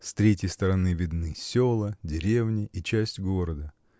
С третьей стороны видны села, деревни и часть города.